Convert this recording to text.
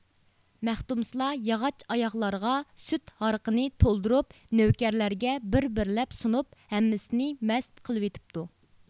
مەختۇمسۇلا ياغاچ ئاياغلارغا سۈت ھارىقىنى تولدۇرۇپ نۆۋكەرلەرگە بىر بىرلەپ سۇنۇپ ھەممىسىنى مەست قىلىۋېتىپتۇ